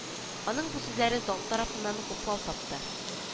Аның бу сүзләре зал тарафыннан хуплау тапты